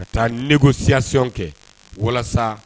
Ka taa négociation kɛ walasa